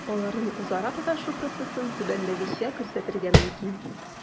Аларның үзара тоташу процессын түбәндәгечә күрсәтергә мөмкин: